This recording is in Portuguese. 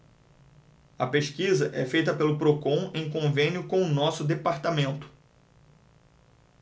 a pesquisa é feita pelo procon em convênio com o diese